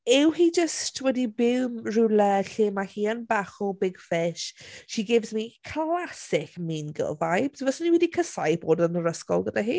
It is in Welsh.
Yw hi jyst wedi byw rywle lle ma' hi yn bach o big fish. She gives me classic mean girl vibes. Fyswn i wedi casáu bod yn yr ysgol gyda hi.